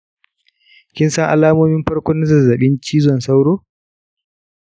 kin san alamomin farko na zazzabin cizon sauro?